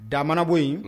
Da bɔ yen